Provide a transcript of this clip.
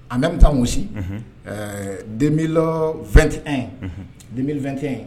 En même temps aussi unhun ɛɛ 2021 unhun 2021